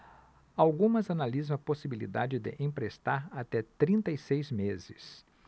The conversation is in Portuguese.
algumas analisam a possibilidade de emprestar até trinta e seis meses